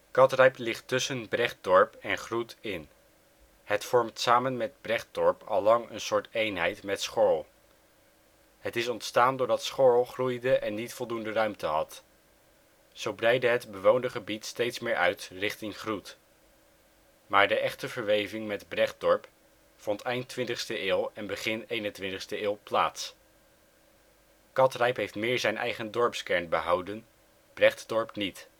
Catrijp ligt tussen Bregtdorp en Groet in. Het vormt samen met Bregtdorp al lang een soort eenheid met Schoorl. Het is ontstaan doordat Schoorl groeide en niet voldoende ruimte had. Zo breidde het bewoonde gebied steeds meer uit richting Groet. Maar de echte verweving met Bregtdorp (en daardoor ook met Schoorl) vond eind twintigste eeuw en begin eenentwintigste eeuw plaats. Catrijp heeft meer zijn eigen dorpskern behouden, Bregtdorp niet